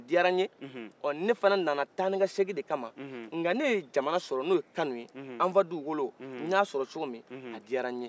o diyara n ye oh ne fana nana taanikasegin de ka ma nka ne ye jamana sɔrɔ n'o ye kanu an fa dugukolo y'a sɔrɔ coko min a diyara n ye